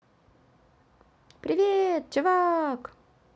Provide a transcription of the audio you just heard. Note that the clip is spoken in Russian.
привет чувак